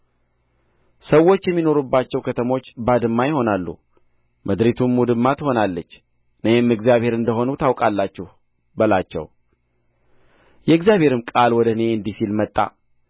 ሰዎች የሚኖሩባቸው ከተሞች ባድማ ይሆናሉ ምድሪቱም ውድማ ትሆናለች እኔም እግዚአብሔር እንደ ሆንሁ ታውቃላችሁ በላቸው የእግዚአብሔርም ቃል ወደ እኔ እንዲህ ሲል መጣ